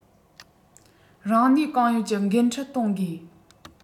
རང ནུས གང ཡོད ཀྱི འགན འཁྲི གཏོང དགོས